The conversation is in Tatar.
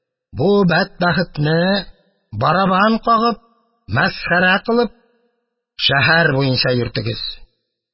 Бу бәдбәхетне, барабан кагып, мәсхәрә кылып, шәһәр буенча йөртегез.